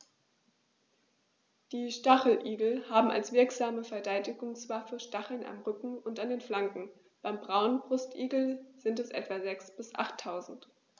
Die Stacheligel haben als wirksame Verteidigungswaffe Stacheln am Rücken und an den Flanken (beim Braunbrustigel sind es etwa sechs- bis achttausend).